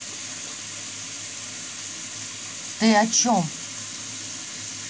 ты о чем